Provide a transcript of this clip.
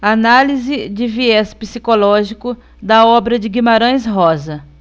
análise de viés psicológico da obra de guimarães rosa